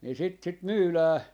niin sitä sitten myydään